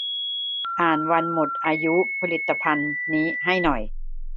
อ่านวันหมดอายุผลิตภัณฑ์นี้ให้หน่อย